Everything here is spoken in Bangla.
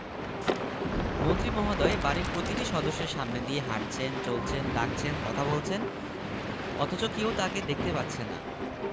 জীবনে কখনো ব্যর্থ হইনি কাল রাতে শুয়ে শুয়ে জীবনের সাফল্য ব্যর্থতা সম্পর্কে ভাবছিলাম ভাবতে ভাবতে ঘুমিয়ে গেলাম ঘুমের মধ্যে স্বপ্ন দেখলাম ভার্সিটির ফার্স্ট ইয়ারে